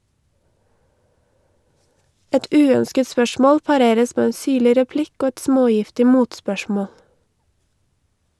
Et uønsket spørsmål pareres med en syrlig replikk og et smågiftig motspørsmål.